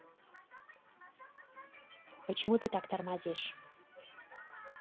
почему ты так тормозишь